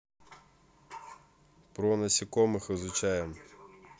про насекомых изучаем